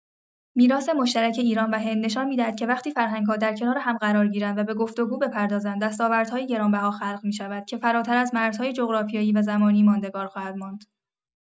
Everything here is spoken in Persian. میراث مشترک ایران و هند نشان می‌دهد که وقتی فرهنگ‌ها در کنار هم قرار گیرند و به گفت‌وگو بپردازند، دستاوردهایی گرانبها خلق می‌شود که فراتر از مرزهای جغرافیایی و زمانی ماندگار خواهد ماند.